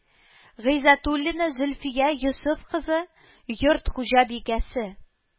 Гыйззәтуллина Зөлфия Йосыф кызы йорт хуҗабикәсе